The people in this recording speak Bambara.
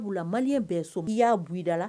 Mali bɛn so k''da la